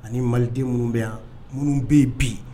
Ani maliden minnu bɛ yan minnu bɛ bi